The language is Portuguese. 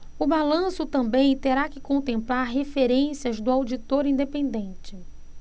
o balanço também terá que contemplar referências do auditor independente